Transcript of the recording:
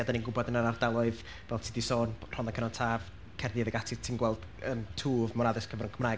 A dan ni'n gwybod, yn yr ardaloedd fel ti 'di sôn, Rhondda Cynon Taf, Caerdydd ac ati, ti'n gweld yym twf mewn addysg cyfrwng Cymraeg.